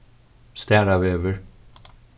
staravegur